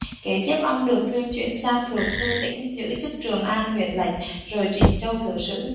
kế tiếp ông được thuyên chuyển sang thượng thư tỉnh giữ chức trường an huyện lệnh rồi trịnh châu thứ sử